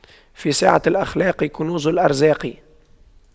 في سعة الأخلاق كنوز الأرزاق